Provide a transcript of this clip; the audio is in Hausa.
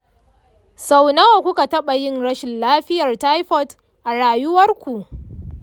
sau nawa kuka taɓa yin rashin lafiyar taifot a rayuwar ku?